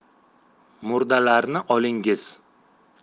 murdalarni olingiz